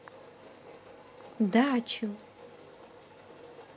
дачу